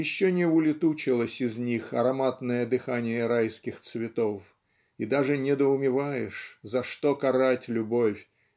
-- еще не улетучилось из них ароматное дыхание райских цветов и даже недоумеваешь за что карать любовь